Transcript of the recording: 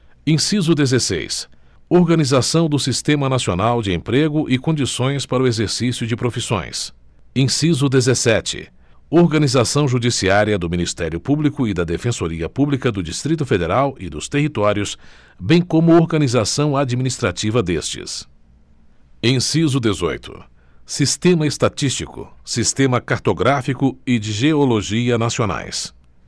inciso dezesseis organização do sistema nacional de emprego e condições para o exercício de profissões inciso dezessete organização judiciária do ministério público e da defensoria pública do distrito federal e dos territórios bem como organização administrativa destes inciso dezoito sistema estatístico sistema cartográfico e de geologia nacionais